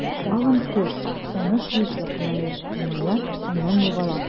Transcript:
Тагын төш, таныш йөз якыная, елмая, аннан югала.